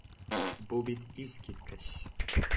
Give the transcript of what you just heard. Бу бит искиткеч!